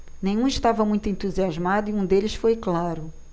nenhum estava muito entusiasmado e um deles foi claro